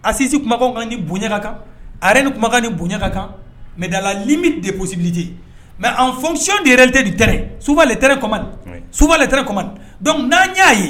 A sinsi kumakan kan ni boɲaka kan a yɛrɛ ni kumakan ni bonyayanka kan mɛdalalimi de psibiliji mɛ an fɔsi de yɛrɛte ni tɛ subalen tɛ kɔ subalen tɛ kɔ dɔnku n'an y'a ye